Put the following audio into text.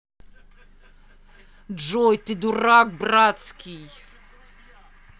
джой ты дурак братский